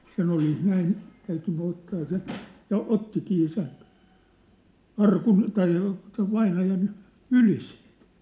sen olisi näin täytynyt ottaa sen ja ottikin sen arkun tai sen vainajan yli siitä